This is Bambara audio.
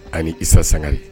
Ani isa sangare